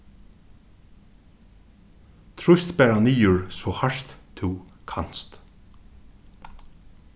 trýst bara niður so hart tú kanst